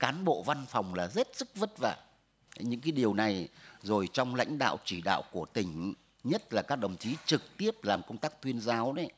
cán bộ văn phòng là rất sức vất vả những cái điều này rồi trong lãnh đạo chỉ đạo của tỉnh nhất là các đồng chí trực tiếp làm công tác tuyên giáo đấy